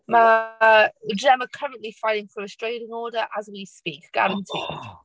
Ma' Gemma currently fighting for a restraining order as we speak, guaranteed... O!